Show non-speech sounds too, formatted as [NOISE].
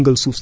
[HESITATION] [HESITATION]